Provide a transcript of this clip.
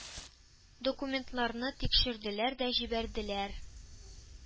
Документларны тикшерделәр дә җибәрделәр.